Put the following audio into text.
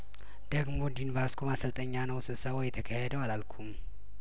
ደግሞ ዲንባስኮ ማሰልጠኛ ነው ስብሰባው የተካሄደው አላልኩም